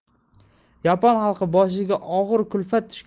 yapon xalqi boshiga og ir kulfat tushgani